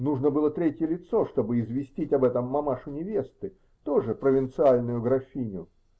Нужно было третье лицо, чтобы известить об этом мамашу невесты, тоже провинциальную графиню.